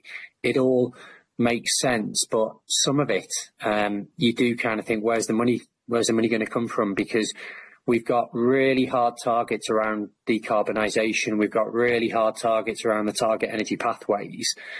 It all makes sense, but some of it erm you do kind of think where's the money- where's the money going to come from, because we've got really hard targets around decarbonisation, we've got really hard targets around the target energy pathways,